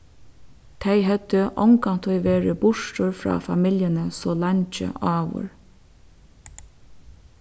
tey høvdu ongantíð verið burtur frá familjuni so leingi áður